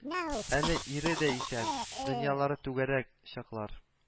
Әле ире дә исән, дөньялары түгәрәк чаклар